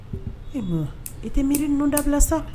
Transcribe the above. E e tɛ miiri ninnu dabila sa